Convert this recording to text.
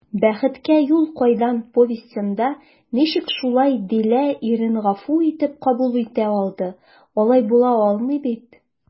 «бәхеткә юл кайдан» повестенда ничек шулай дилә ирен гафу итеп кабул итә алды, алай була алмый бит?»